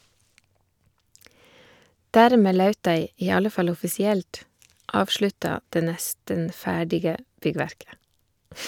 Dermed laut dei - i alle fall offisielt - avslutta det nesten ferdige byggverket.